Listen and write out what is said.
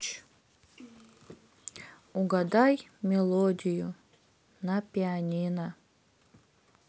угадай мелодию на пианино